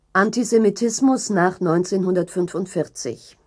Antisemitismus nach 1945